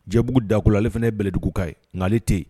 Jɛbugu Dakolo ale fana ye bɛlɛdugu ka ye nka ale tɛ yen.